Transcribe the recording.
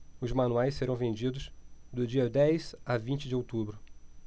os manuais serão vendidos do dia dez a vinte de outubro